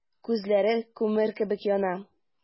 Күзләре күмер кебек яна.